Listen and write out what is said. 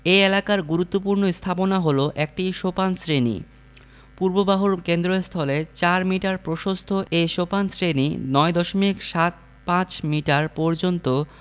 এ এলাকার গুরুত্বপূর্ণ স্থাপনা হলো একটি সোপান শ্রেণি পূর্ব বাহুর কেন্দ্রস্থলে ৪ মিটার প্রশস্ত এ সোপান শ্রেণি ৯ দশমিক সাত পাঁচ মিটার পর্যন্ত